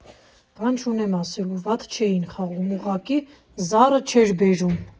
Բան չունեմ ասելու՝ վատ չէին խաղում, ուղղակի զառը չէր բերում։